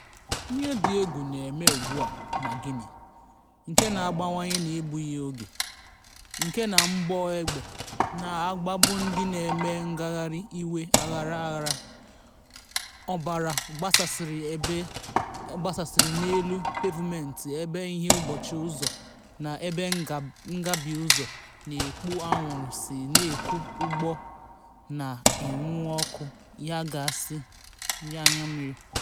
Ihe dị egwu na-eme ugbu a na Guinea, nke na-abawanye na-egbughị oge, nke na mgbọ egbe na-agbagbu ndị na-eme ngagharị iwe aghara aghara, ọbara gbasasịrị n'elu pevumentị ebe ihe mgbochi ụzọ na ebe ngabi ụzọ na-ekpu anwụrụ si n'ụkwụ ụgbọ na-enwu ọkụ yana gaasị anya mmiri.